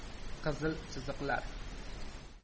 qizil chiziqlar